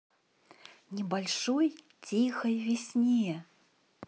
небольшой тихой весне